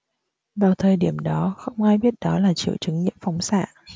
vào thời điểm đó không ai biết đó là triệu chứng nhiễm phóng xạ